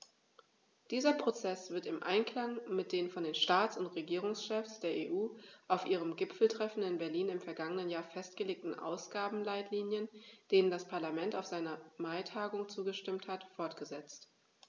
Dieser Prozess wird im Einklang mit den von den Staats- und Regierungschefs der EU auf ihrem Gipfeltreffen in Berlin im vergangenen Jahr festgelegten Ausgabenleitlinien, denen das Parlament auf seiner Maitagung zugestimmt hat, fortgesetzt.